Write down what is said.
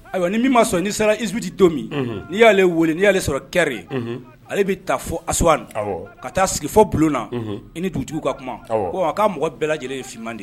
Ayiwa ni min ma sɔn n'i sera iisudi don min n'i y'ale weele n'i y'ale sɔrɔ kɛ ye ale bɛ taa fɔ as ka taa sigifɔ bulonlonna i ni dugujugu ka kuma ko a ka mɔgɔ bɛɛ lajɛlen ye f mandi